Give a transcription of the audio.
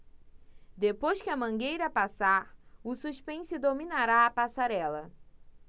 depois que a mangueira passar o suspense dominará a passarela